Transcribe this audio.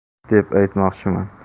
deb aytmoqchiman